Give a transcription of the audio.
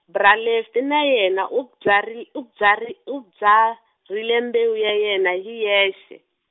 Bra Lefty na yena u byarhi u byarhi u byarhile mbewu ya yena hi yexe.